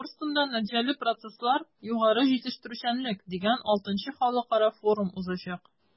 “корстон”да “нәтиҗәле процесслар-югары җитештерүчәнлек” дигән vι халыкара форум узачак.